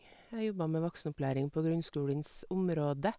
Jeg jobber med voksenopplæring på grunnskolens område.